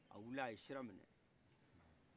a wilila a ye sira minɛ